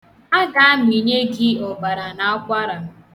A ga-amịnye gị ọbara n'akwara.